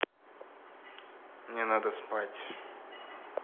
мне надо спать